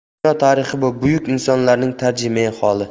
dunyo tarixi bu buyuk insonlarning tarjimai holi